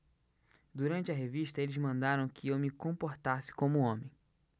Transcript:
durante a revista eles mandaram que eu me comportasse como homem